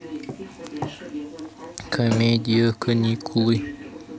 комедия каникулы